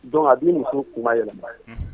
Don a bɛ muso kun yɛlɛma ye